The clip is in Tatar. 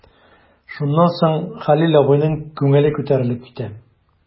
Шуннан соң Хәлил абыйның күңеле күтәрелеп китә.